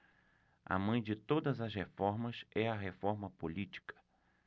a mãe de todas as reformas é a reforma política